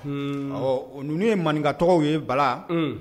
Ɔ ninnu ye maninka tɔgɔw ye bala